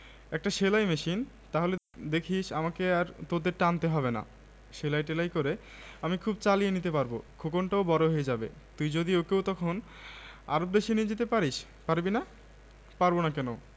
বিধবা বোন চার ছেলেমেয়ে নিয়ে বাপের ঘাড়ে আছে সব সময় গ্লানিতে মলিন হয়ে থাকে এখন সে একটা আশা দেখতে পেয়ে ব্যস্ত হয়ে যায় খুব ভালো হয় কত লোক বড়লোক হয়ে গেল আরব দেশে গিয়ে